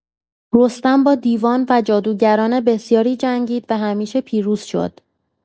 رستم با دیوان و جادوگران بسیاری جنگید و همیشه پیروز شد.